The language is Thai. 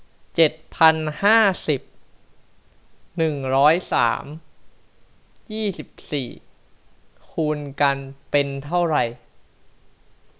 เจ็ดพันห้าสิบหนึ่งร้อยสามยี่สิบสี่คูณกันเป็นเท่าไหร่